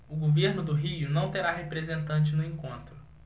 o governo do rio não terá representante no encontro